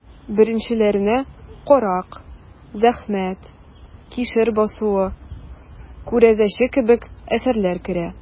Беренчеләренә «Карак», «Зәхмәт», «Кишер басуы», «Күрәзәче» кебек әсәрләр керә.